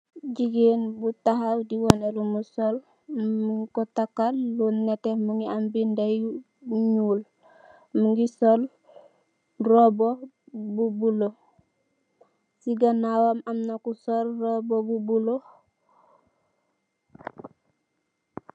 Jigeen bu taxaw di waneh lum sol, ñing ko takal lu netteh, mugii am bindé yu ñuul. Mugii sol róbba bu bula, si ganaw wam am na ku sol róbba bu bula.